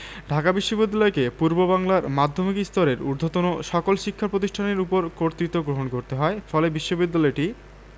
ঢাকা বিশ্ববিদ্যালয়কে পূর্ববাংলার মাধ্যমিক স্তরের ঊধ্বর্তন সকল শিক্ষা প্রতিষ্ঠানের ওপর কর্তৃত্ব গ্রহণ করতে হয় ফলে বিশ্ববিদ্যালয়টি